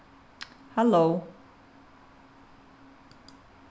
halló